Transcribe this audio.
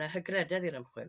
ne' hygrededd i'r ymchwil.